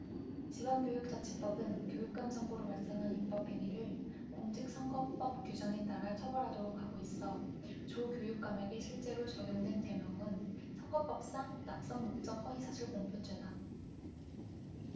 지방교육자치법은 교육감 선거로 발생한 위법행위를 공직선거법 규정에 따라 처벌하도록 하고 있어 조 교육감에게 실제로 적용된 죄명은 선거법상 낙선목적 허위사실공표죄다